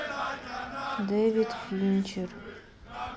дэвид финчер